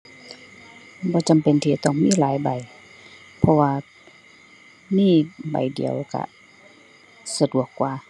บ่จำเป็นที่จะต้องมีหลายใบ เพราะว่ามีใบเดียวก็สะดวกกว่า